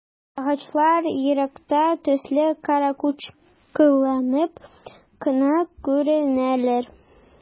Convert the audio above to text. Агачлар еракта төсле каракучкылланып кына күренәләр.